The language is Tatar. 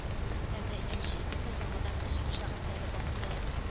Әмма икенче көнне яңадан эш мәшәкатьләре басты